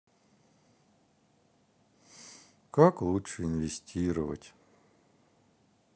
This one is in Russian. куда лучше инвестировать